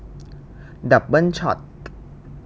ดับเบิ้ลช็อต